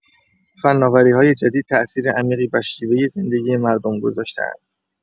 فناوری‌های جدید تاثیر عمیقی بر شیوه زندگی مردم گذاشته‌اند.